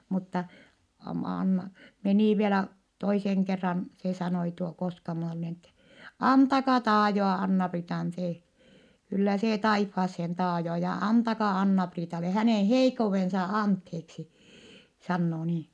mutta --- meni vielä toisen kerran se sanoi tuo Koskamon Onni että antakaa taajoa Anna-Priitan se kyllä se taivaaseen taajoo ja antakaa Anna-Priitalle hänen heikkoutensa anteeksi sanoo niin